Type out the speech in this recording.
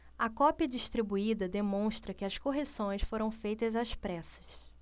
a cópia distribuída demonstra que as correções foram feitas às pressas